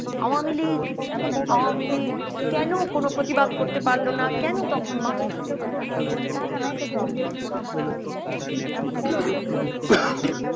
আওয়ামী লীগ আওয়ামী লীগ কেন কোন প্রতিবাদ করতে পারলো না কেন তখন মাঠে নামতে পারলো না